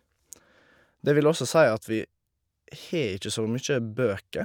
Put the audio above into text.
Det vil også si at vi har ikke så mye bøker.